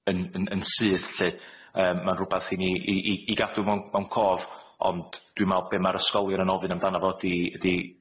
yn yn yn syth lly. Yym ma'n rwbath i ni i i i i gadw mewn mewn cof, ond dwi me'l be' ma'r ysgolion yn ofyn amdana fo ydi ydi